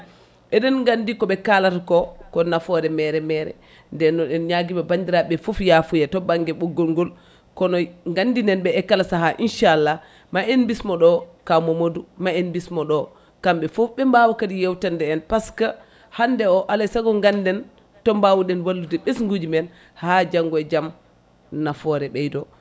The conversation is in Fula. eɗen gandi koɓe kaalata ko ko nafoore mere mere nden en ñaguima bandiraɓe foof yafuya to banggue ɓoggol ngol kono gandinen ɓe e kala saaha nchallah ma en bismoɗo kaw Mamadou ma en bismoɗo kamɓe fo ɓe mbawa kadi yewtande en par ce que hande o alay saago ganden to mbawɗen wallude ɓesguji men ha janggo e jaam nafoore ɓeydo